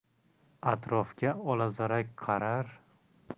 atrofga olazarak qarar